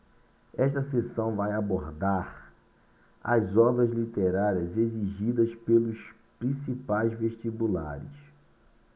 esta seção vai abordar as obras literárias exigidas pelos principais vestibulares